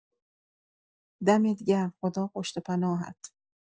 دمت گرم، خدا پشت‌وپناهت.